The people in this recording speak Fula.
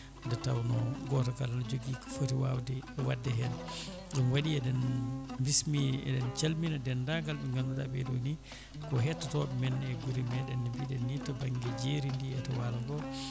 nde tawno goto kala ne jogui ko footi wawade wadde hen ɗum waɗi eɗen bismi eɗen calmina dendagal ɓe ganduɗa ɓeeɗo ni ko hettotoɓe men e guure meɗen no mbiɗen ni to banggue jeeri ndi e to waalo ngo